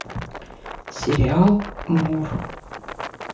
сериал мур